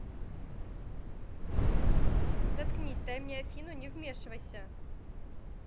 заткнись дай мне афину не вмешивайся